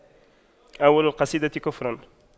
أول القصيدة كفر